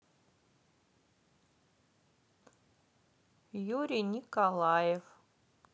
юрий николаев